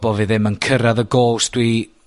bo' fi ddim yn cyrradd y gôls dwi